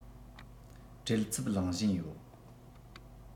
བྲེལ འཚུབ ལངས བཞིན ཡོད